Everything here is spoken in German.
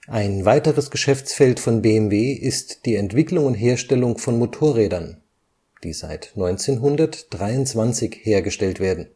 Ein weiteres Geschäftsfeld von BMW ist die Entwicklung und Herstellung von Motorrädern die seit 1923 stellt werden